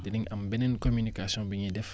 dinañ am beneen communication bu ñuy def